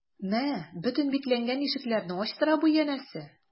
Мә, бөтен бикләнгән ишекләрне ачтыра бу, янәсе...